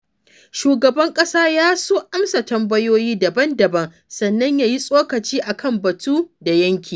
Shugaban ƙasa ya so amsa tambayoyi daban-daban sannan ya yi tsokaci a kan batu da yanki.